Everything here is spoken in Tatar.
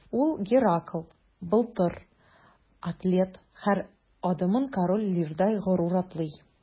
Ул – Геракл, Былтыр, атлет – һәр адымын Король Лирдай горур атлый.